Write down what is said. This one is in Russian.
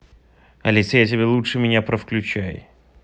алиса я тебе лучше меня про включай